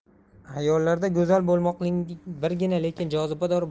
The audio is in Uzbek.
ayollarda go'zal bo'lmoqlikning birgina lekin jozibador